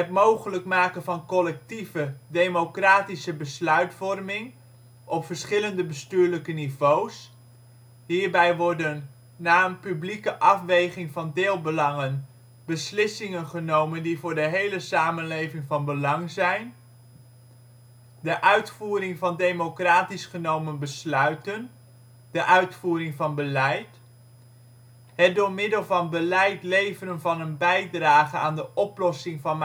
mogelijk maken van collectieve, democratische besluitvorming op verschillende bestuurlijke niveau’ s. Hierbij worden, na een publieke afweging van deelbelangen, beslissingen genomen die voor de hele samenleving van belang zijn. De uitvoering van democratisch genomen besluiten. De uitvoering van beleid. Het door middel van beleid leveren van een bijdrage aan de oplossing van